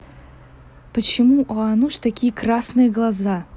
почему у ануш такие красные глаза